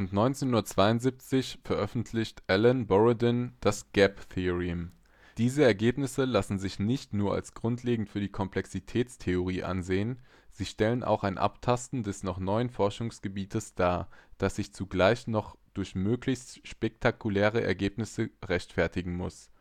1972 veröffentlicht Allan Borodin das Gap-Theorem. Diese Ergebnisse lassen sich nicht nur als grundlegend für die Komplexitätstheorie ansehen, sie stellen auch ein Abtasten des noch neuen Forschungsgebietes dar, das sich zugleich noch durch möglichst „ spektakuläre “Ergebnisse rechtfertigen muss